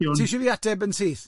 Tisho fi ateb yn syth?